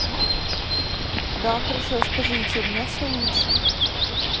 да хорошо скажите у меня все лучше